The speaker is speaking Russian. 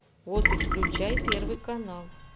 вот и включай первый канал